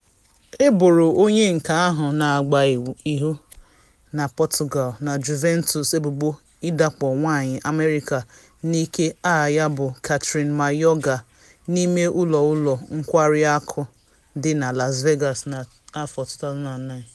Eboro onye nke ahụ na-agba ihu na Portugal na Juventus ebubo idakpo nwanyị America n’ike aha ya bụ Kathryn Mayorga, n’ime ụlọ ụlọ nkwari akụ dị na Las Vegas, na 2009.